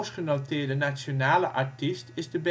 genoteerde nationale artiest is de